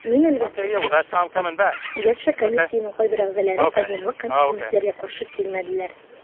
Мин, әлбәттә, баш тарттым, гәрчә комиссиянең кайбер әгъзаләре кабымлык һәм эчемлекләргә каршы килмәделәр.